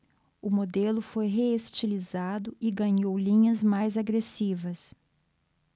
o modelo foi reestilizado e ganhou linhas mais agressivas